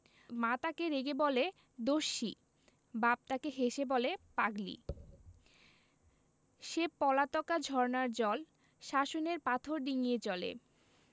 মা তাকে রেগে বলে দস্যি বাপ তাকে হেসে বলে পাগলি সে পলাতকা ঝরনার জল শাসনের পাথর ডিঙ্গিয়ে চলে